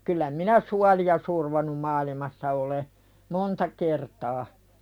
kyllä minä suolia survonut maailmassa olen monta kertaa